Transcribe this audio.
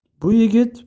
bu yigit o'zini